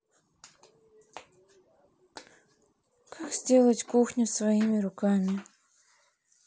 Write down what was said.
как сделать кухню своими руками